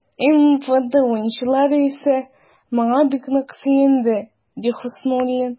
МВД уенчылары исә, моңа бик нык сөенде, ди Хөснуллин.